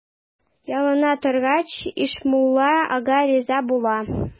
Ялына торгач, Ишмулла ага риза була.